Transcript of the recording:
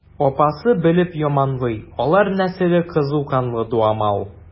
Апасы белеп яманлый: алар нәселе кызу канлы, дуамал.